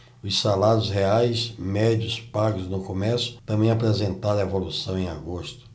os salários reais médios pagos no comércio também apresentaram evolução em agosto